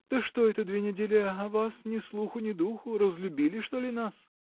Да что это две недели о вас ни слуху ни духу: разлюбили, что ли, нас?